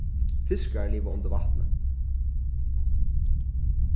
fiskar liva undir vatni